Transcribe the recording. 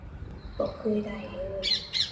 บ่เคยได้เลย